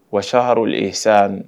Wahar sa